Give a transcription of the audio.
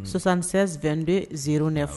Sonsan72 bɛ zi de